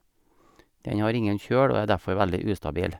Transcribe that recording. Den har ingen kjøl og er derfor veldig ustabil.